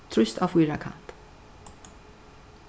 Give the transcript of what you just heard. trýst á fýrakant